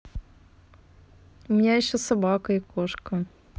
у меня еще собака и кошка